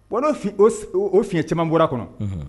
O don sun o fiɲɛ caman bɔra kɔnɔ Unhun